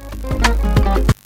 San